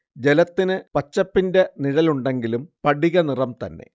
ജലത്തിന് പച്ചപ്പിന്റെ നിഴലുണ്ടെങ്കിലും സ്ഫടിക നിറം തന്നെ